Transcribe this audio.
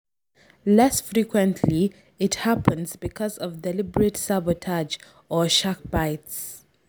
Less frequently, it happens because of deliberate sabotage or shark bites.